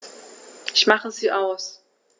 Ich mache sie aus.